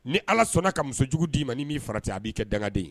Ni ala sɔnna ka musojugu dii ma ni min'i fara tɛ a b'i kɛ danganden